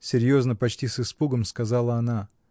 — серьезно, почти с испугом, сказала она.